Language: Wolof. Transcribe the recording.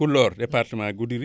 Puloor département Goudiri